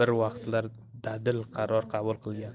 bir vaqtlar dadil qaror qabul qilgan